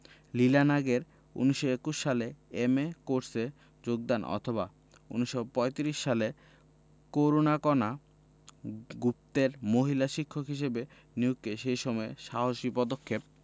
লীলা নাগের ১৯২১ সালে এম.এ কোর্সে যোগদান অথবা ১৯৩৫ সালে করুণাকণা গুপ্তের মহিলা শিক্ষক হিসেবে নিয়োগকে সেই সময়ে সাহসী পদক্ষেপ